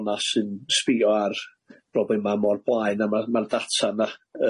onast sy'n sbïo ar broblema mor blaen a ma' ma'r data 'na